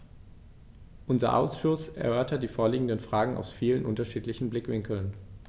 Unser Ausschuss erörtert die vorliegenden Fragen aus vielen unterschiedlichen Blickwinkeln.